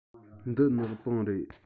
འདི ནག པང རེད